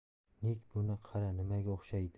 nig buni qara nimaga o'xshaydi